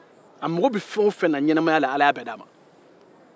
a mago bɛ fɛn o fɛn na ɲɛnamaya la ala y'a bɛɛ di a ma